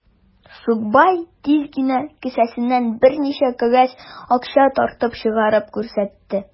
Сукбай тиз генә кесәсеннән берничә кәгазь акча тартып чыгарып күрсәтте.